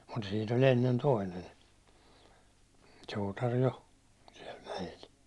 mutta siinä oli ennen toinen suutari jo siellä mäellä